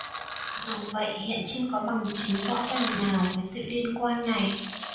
dù vậy hiện chưa có bằng chứng rõ ràng nào về sự liên quan này